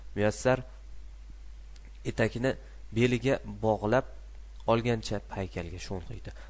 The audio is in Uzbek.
muyassar etakni beliga bog'lab olgancha paykalga sho'ng'iydi